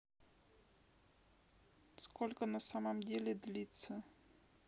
сколько на самом деле длится